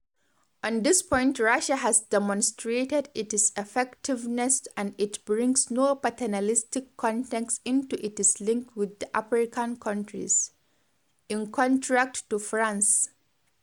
On this point Russia has demonstrated its effectiveness and it brings no paternalistic context into its links with the African countries, in contrast to France.